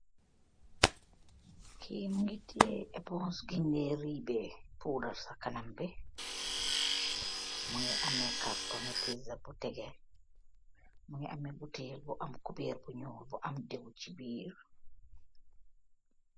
ki mogi tiyeh epons ginde ribe purdarsakanam bi munge ame karton piza butege munge ame butale bu am kuber b nuul bu am dew ci bir.